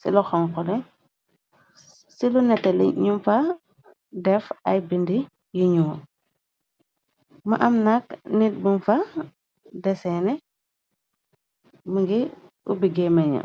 ci loxonxole, ci lu neteli ñum fa def ay bindi yi ñoo, më am nakk nit bum fa deseene, mëngi ubbiggee meñe